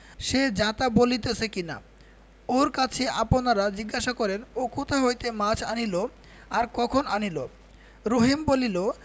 সে যাতা' বলিতেছে কিনা ওর কাছে আপনারা জিজ্ঞাসা করেন ও কোথা হইতে মাছ আনিল আর কখন আনিল রহিম বলিল